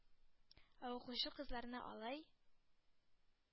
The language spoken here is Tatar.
Ә укучы кызларны алай